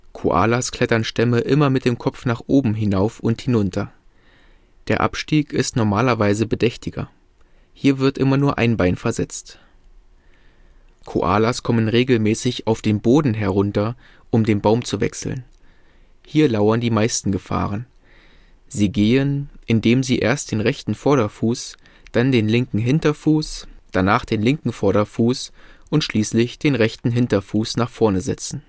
Koalas klettern Stämme immer mit dem Kopf nach oben hinauf und hinunter. Der Abstieg ist normalerweise bedächtiger. Hier wird immer nur ein Bein versetzt. Koalas kommen regelmäßig auf den Boden herunter, um den Baum zu wechseln. Hier lauern die meisten Gefahren. Sie gehen, indem sie erst den rechten Vorderfuß, dann den linken Hinterfuß, danach den linken Vorderfuß und schließlich den rechten Hinterfuß nach vorne setzen